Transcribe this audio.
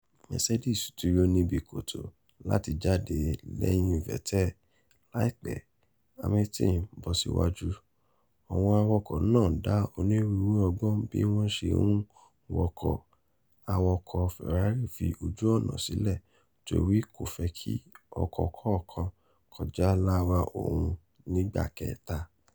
Mercedes dúró níbi kòtò láti jáde lẹ́yìn Vettel. Láìpẹ́, Hamilton bọ́ síwájú. Àwọn awakọ̀ náà dá onírúurú ọgbọ́n bí wọ́n ṣe n wọkọ̀ . Awakọ̀ Ferari fi ojú-ọ̀nà sílẹ̀ torí kò fẹ́ ki ọkọ kọ̀ọ̀kan kọjá lára òun nígbà kẹta.